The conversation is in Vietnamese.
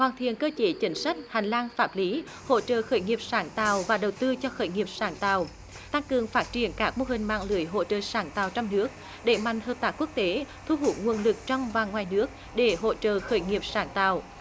hoàn thiện cơ chế chính sách hành lang pháp lý hỗ trợ khởi nghiệp sáng tạo và đầu tư cho khởi nghiệp sáng tạo tăng cường phát triển các mô hình mạng lưới hỗ trợ sáng tạo trong nước đẩy mạnh hợp tác quốc tế thu hút nguồn lực trong và ngoài nước để hỗ trợ khởi nghiệp sáng tạo